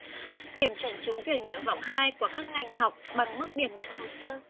điểm chuẩn trúng tuyển nguyện vọng hai của các ngành học bằng mức điểm nhận hồ sơ